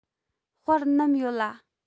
དཔར ནམ ཡོད ལ